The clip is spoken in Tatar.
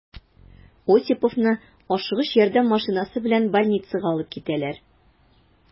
Осиповны «Ашыгыч ярдәм» машинасы белән больницага алып китәләр.